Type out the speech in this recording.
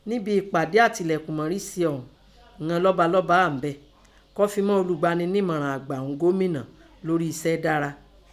Nẹ́bin ẹ̀pàdé àtilẹ̀kùnmọ́rí se ọ̀hún, ìnan lọ́ba lọ́ba à ńbẹ̀ kọ́ fin mọ́ olùgbani nẹmọ̀ràn àgbà ún gómìnà lórí ìṣe dára.